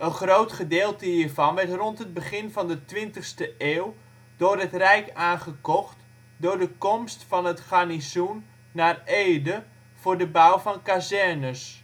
groot gedeelte hiervan werd rond het begin van de twintigste eeuw door het rijk aangekocht door de komst van het garnizoen naar Ede voor de bouw van kazernes